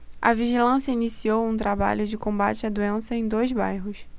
a vigilância iniciou um trabalho de combate à doença em dois bairros